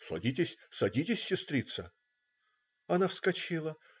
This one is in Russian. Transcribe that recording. "Садитесь, садитесь, сестрица". Она вскочила.